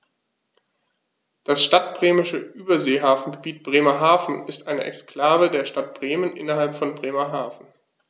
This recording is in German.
Das Stadtbremische Überseehafengebiet Bremerhaven ist eine Exklave der Stadt Bremen innerhalb von Bremerhaven.